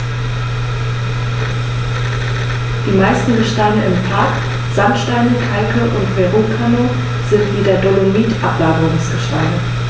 Die meisten Gesteine im Park – Sandsteine, Kalke und Verrucano – sind wie der Dolomit Ablagerungsgesteine.